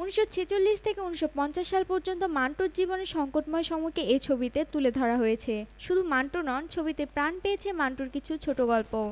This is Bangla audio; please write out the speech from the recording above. ১৯৪৬ থেকে ১৯৫০ সাল পর্যন্ত মান্টোর জীবনের সংকটময় সময়কে এ ছবিতে তুলে ধরা হয়েছে শুধু মান্টো নন ছবিতে প্রাণ পেয়েছে মান্টোর কিছু ছোটগল্পও